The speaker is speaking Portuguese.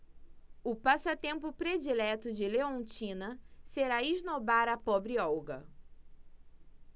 o passatempo predileto de leontina será esnobar a pobre olga